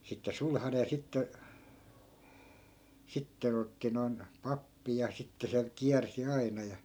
sitten sulhanen ja sitten sitten otti noin pappi ja sitten se kiersi aina ja